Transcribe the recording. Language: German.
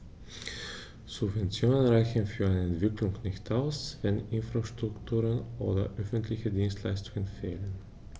Subventionen reichen für eine Entwicklung nicht aus, wenn Infrastrukturen oder öffentliche Dienstleistungen fehlen.